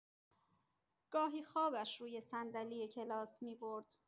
گاهی خوابش روی صندلی کلاس می‌برد.